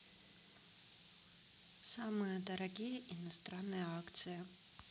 самые дорогие иностранные акции